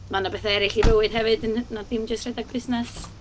Ma' 'na betha eraill i fywyd hefyd n- na dim jyst rhedeg busnes.